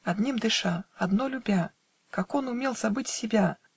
Одним дыша, одно любя, Как он умел забыть себя!